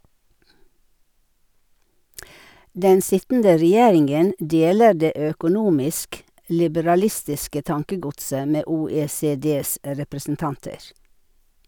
Den sittende regjeringen deler det økonomisk liberalistiske tankegodset med OECDs representanter.